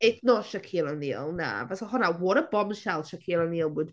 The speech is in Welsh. It's not Shaquil O'Neill na. Fasa hwnna what a bombshell Shaquil O'Neill would...